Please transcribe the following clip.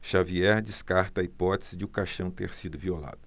xavier descarta a hipótese de o caixão ter sido violado